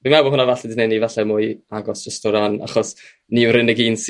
fi'n meddwl bod hwna falle 'di 'neud ni falle fwy agos jyst o ran achos ni yw'r unig un sy'